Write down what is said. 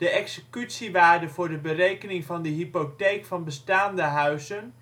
executiewaarde voor de berekening van de hypotheek van bestaande huizen